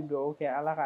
Dugawu kɛ ala ka